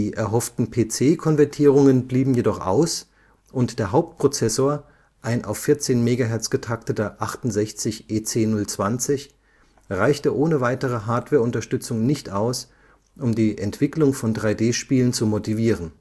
erhofften PC-Konvertierungen blieben jedoch aus, und der Hauptprozessor, ein auf 14 MHz getakteter 68EC020, reichte ohne weitere Hardwareunterstützung nicht aus, um die Entwicklung von 3D-Spielen zu motivieren